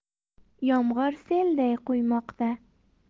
yomg'ir selday quymoqda